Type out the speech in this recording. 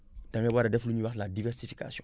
da ngay war a def li ñuy wax la diversification